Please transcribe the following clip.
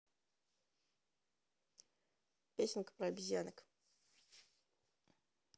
песенка про обезьянок